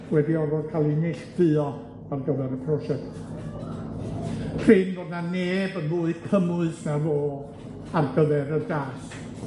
wedi orfod ca'l 'i neilltuo ar gyfar y prosiect. Prin bo' 'na neb yn fwy cymwys na fo ar gyfer y dasg.